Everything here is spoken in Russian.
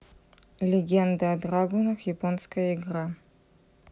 легенда о драгунах японская игра